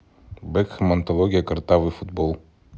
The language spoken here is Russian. бекхэм антология картавый футбол